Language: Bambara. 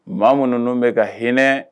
Maa minnu bɛ ka hinɛ